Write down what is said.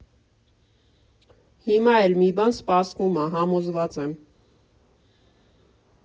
Հիմա էլ մի բան սպասվում ա, համոզված եմ։